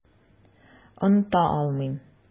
Оныта алмыйм.